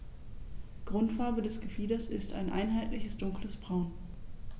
Grundfarbe des Gefieders ist ein einheitliches dunkles Braun.